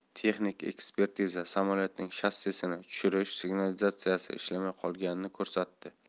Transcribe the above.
texnik ekspertiza samolyotning shassini tushirish signalizatsiyasi ishlamay qolganini ko'rsatdi